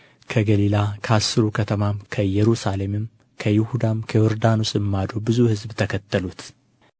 ከገሊላም ከአሥሩ ከተማም ከኢየሩሳሌምም ከይሁዳም ከዮርዳኖስም ማዶ ብዙ ሕዝብ ተከተሉት